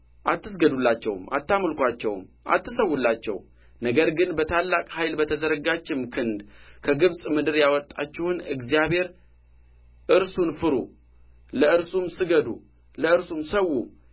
አትስገዱላቸው አታምልኩአቸው አትሠዉላቸው ነገር ግን በታላቅ ኃይል በተዘረጋችም ክንድ ከግብጽ ምድር ያወጣችሁን እግዚአብሔር እርሱን ፍሩ ለእርሱም ስገዱ ለእርሱም ሠዉ